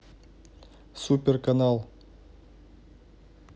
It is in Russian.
супер канал